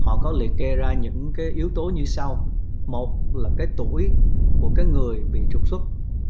họ có liệt kê ra những cái yếu tố như sau một là cái tuổi của cái người bị trục xuất